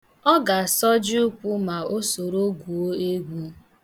Ọ ga-asọjị ụkwụ ma o soro gwuo egwu.